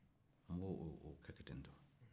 a tugulen b'o kɔ a bɛ don